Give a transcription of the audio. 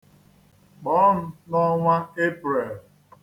Kpọọ m n'ọnwa Epreel.